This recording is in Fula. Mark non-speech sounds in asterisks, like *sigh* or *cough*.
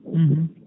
*hesitation* *hesitation*